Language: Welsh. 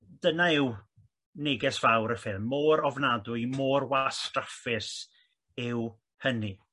Dyna yw neges fawr y ffilm mor ofnadwy mor wastraffus yw hynny.